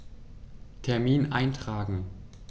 Termin eintragen